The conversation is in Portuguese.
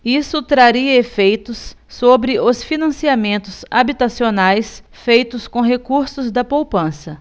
isso traria efeitos sobre os financiamentos habitacionais feitos com recursos da poupança